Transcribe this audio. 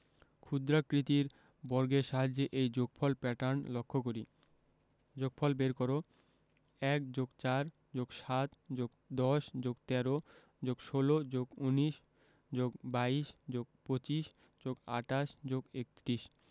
ক্ষুদ্রাকৃতির বর্গের সাহায্যে এই যোগফল প্যাটার্ন লক্ষ করি যোগফল বের করঃ ১+৪+৭+১০+১৩+১৬+১৯+২২+২৫+২৮+৩১